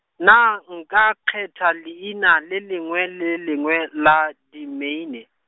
naa nka kgetha leina le lengwe le lengwe la Domeine?